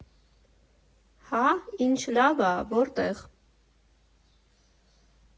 ֊Հա՞, ինչ լավ ա, որտե՞ղ։